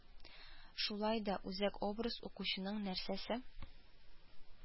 Шулай да, үзәк образ укучыны нәрсәсе